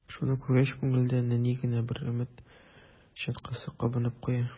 Шуны күргәч, күңелдә нәни генә бер өмет чаткысы кабынып куя.